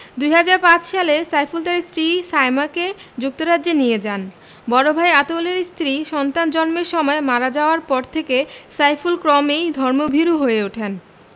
২০০৫ সালে সাইফুল তাঁর স্ত্রী সায়মাকে যুক্তরাজ্যে নিয়ে যান বড় ভাই আতাউলের স্ত্রী সন্তান জন্মের সময় মারা যাওয়ার পর থেকে সাইফুল ক্রমেই ধর্মভীরু হয়ে ওঠেন